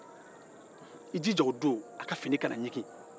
i jija o don a ka fini kana ɲigin